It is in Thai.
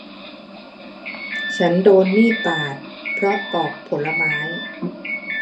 ฉันโดนมีดบาดเพราะปอกผลไม้